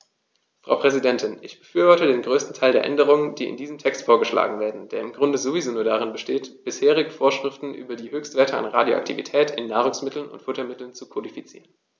Frau Präsidentin, ich befürworte den größten Teil der Änderungen, die in diesem Text vorgeschlagen werden, der im Grunde sowieso nur darin besteht, bisherige Vorschriften über die Höchstwerte an Radioaktivität in Nahrungsmitteln und Futtermitteln zu kodifizieren.